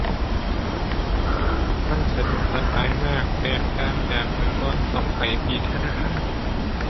มันสะดวกสบายมาก แตกต่างจากเมื่อก่อนต้องไปที่ธนาคาร